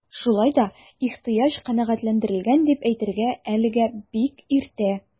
Шулай да ихтыяҗ канәгатьләндерелгән дип әйтергә әлегә бик иртә.